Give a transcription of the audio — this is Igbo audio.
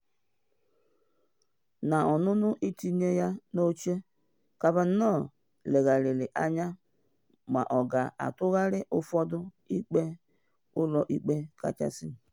N’ọnụnụ itinye ya n’oche, Kavanaugh leghara ajụjụ ma ọ ga-atụgharị ụfọdụ mkpebi Ụlọ Ikpe Kachasị.